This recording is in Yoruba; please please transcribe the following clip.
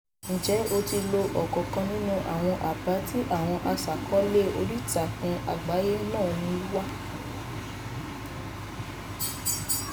Ǹjẹ́ o ti lo ọ̀kankan nínú àwọn àbá tí àwọn aṣàkọọ́lẹ̀ oríìtakùn àgbáyé náà mú wá?